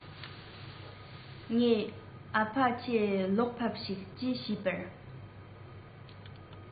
ངས ཨ ཕ ཁྱེད ལོགས ཕེབས ཤིག ཅེས ཞུས པར